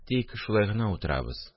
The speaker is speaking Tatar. Тик шулай гына утырабыз